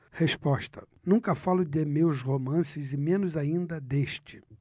resposta nunca falo de meus romances e menos ainda deste